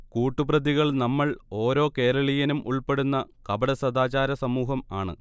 കൂട്ടു പ്രതികൾ നമ്മൾ, ഓരോ കേരളീയനും ഉൾപ്പെടുന്ന കപടസദാചാരസമൂഹം ആണ്